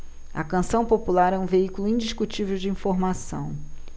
a canção popular é um veículo indiscutível de informação